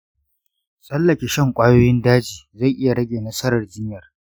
tsallake shan kwayoyin ciwon daji zai iya rage nasarar jinyar.